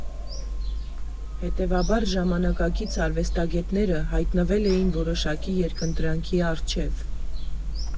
Հետևաբար, ժամանակակից արվեստագետները հայտնվել էին որոշակի երկընտրանքի առջև.